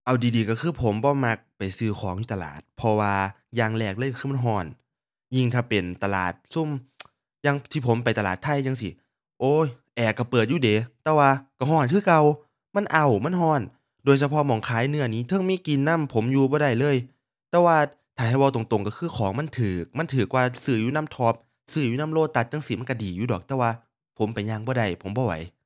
เอาดีดีก็คือผมบ่มักไปซื้อของอยู่ตลาด เพราะว่าอย่างแรกเลยคือมันก็ ยิ่งถ้าเป็นตลาดซุม อย่างที่ผมไปตลาดไทยจั่งซี้ โอ๊ย แอร์ก็เปิดอยู่เดะ แต่ว่าก็ก็คือเก่า มันอ้าว มันก็ โดยเฉพาะหม้องขายเนื้อนี่เทิงมีกลิ่นนำ ผมอยู่บ่ได้เลย แต่ว่าให้ ให้เว้าตรงตรงก็คือของมันก็ มันก็กว่าซื้ออยู่นำ Tops ซื้ออยู่นำ Lotus's จั่งซี้มันก็ดีอยู่ดอก แต่ว่าผมไปย่างบ่ได้ ผมบ่ไหว